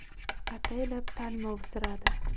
ataylab talmovsiradi